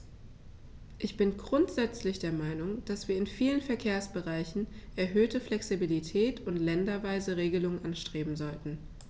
Ich bin grundsätzlich der Meinung, dass wir in vielen Verkehrsbereichen erhöhte Flexibilität und länderweise Regelungen anstreben sollten.